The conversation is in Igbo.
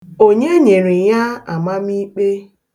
Onye nyere ya bụ amamiikpe?